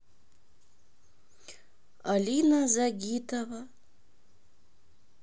алина загитова